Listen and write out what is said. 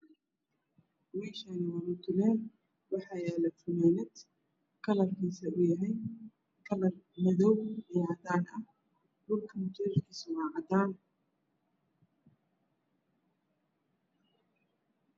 Meeshani waa mutulel waxa yaala funaand galarkisa u yahy kalar madow iyo cadaan ah dhulka mutulelkisa waa cadaan